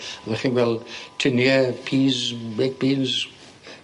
Fel 'ych chi'n gwel' tinie peas baked beans?